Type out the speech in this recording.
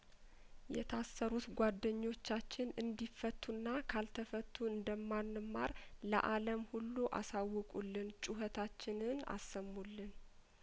የታሰሩት ጓደኞ ቻችን እንዲ ፈቱና ካል ተፈቱ እንደማን ማር ለአለም ሁሉ አሳውቁ ልን ጩኸታ ችንን አሰሙ ልን